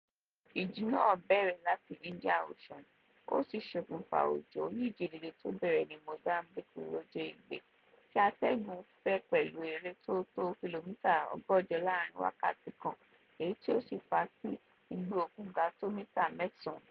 Ìjì náà bẹ̀rẹ̀ láti Indian Ocean ó sì sokunfà òjò oníjì líle tó bẹ̀rẹ̀ ní Mozambique lọjọ Igbe, tí atégùn ń fẹ́ pẹ̀lú eré tó tó kìlómítà 160 láàárìn wákàtí kan, èyí tí ó sì fàá kí ìgbì òkun ga tó mítà 9.